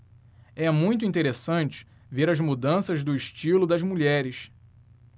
é muito interessante ver as mudanças do estilo das mulheres